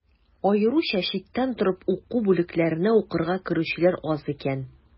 Аеруча читтән торып уку бүлекләренә укырга керүчеләр аз икән.